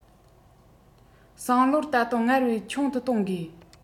སང ལོར ད དུང སྔར བས ཆུང དུ གཏོང དགོས